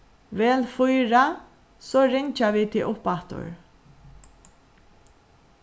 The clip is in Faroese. vel fýra so ringja vit teg uppaftur